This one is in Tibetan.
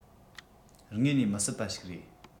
དངོས ནས མི སྲིད པ ཞིག རེད